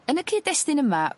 Yn y cyd destun yma